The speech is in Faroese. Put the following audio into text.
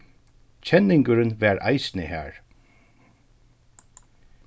kenningurin var eisini har